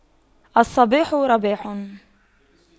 الصباح رباح